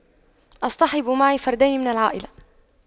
اصطحب معي فردين من العائلة